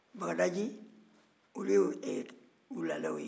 bagadaji olu ye e wulalɛw ye